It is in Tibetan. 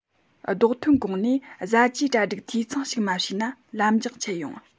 རྡོག ཐོན གོང ནས བཟའ བཅའི གྲ སྒྲིག འཐུས ཚང ཞིག མ བྱས ན ལམ རྒྱགས འཆད ཡོང